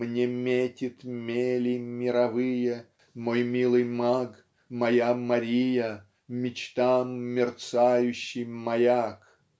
Мне метит мели мировые Мой милый маг моя Мария Мечтам мерцающий маяк!